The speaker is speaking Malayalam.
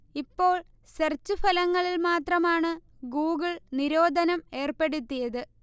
ഇപ്പോൾ സെർച്ച് ഫലങ്ങളിൽ മാത്രമാണ് ഗൂഗിൾ നിരോധനം ഏർപ്പെടുത്തിയത്